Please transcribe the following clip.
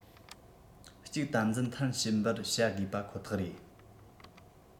གཅིག དམ འཛིན མཐར ཕྱིན པར བྱ དགོས པ ཁོ ཐག རེད